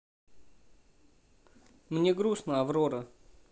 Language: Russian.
мне грустно аврора